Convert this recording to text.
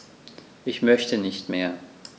Ich möchte nicht mehr.